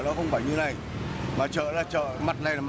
nó không phải như này mà chợ nó là chợ mặt này